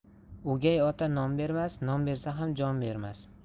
o'gay ota non bermas non bersa ham jon bermas